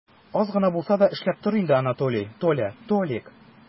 Аз гына булса да эшләп тор инде, Анатолий, Толя, Толик!